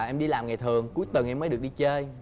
em đi làm ngày thường cuối tuần mới được đi chơi